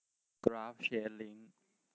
กราฟเชนลิ้ง